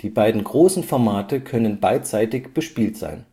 beiden großen Formate können beidseitig bespielt sein